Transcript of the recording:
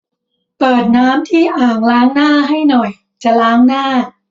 เปิดน้ำที่อ่างล้างหน้าให้หน่อยจะล้างหน้า